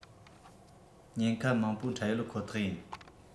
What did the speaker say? ཉེན ཁ མང པོ འཕྲད ཡོད ཁོ ཐག ཡིན